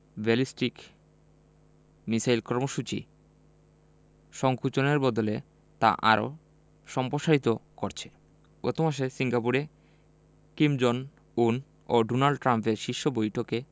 ballistic missile কর্মসূচি সংকোচনের বদলে তা আরও সম্প্রসারিত করছে গত মাসে সিঙ্গাপুরে কিম জং উন ও ডোনাল্ড ট্রাম্পের শীর্ষ বৈঠকে